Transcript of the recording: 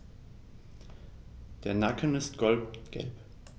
Der Nacken ist goldgelb.